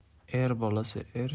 er bolasi er